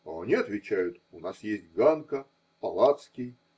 А они отвечают: у нас есть Ганка, Палацкий.